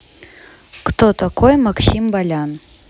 кто такой максим болян